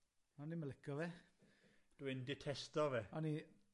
'On 'im yn lico fe. Dwi'n detesto fe. O'n i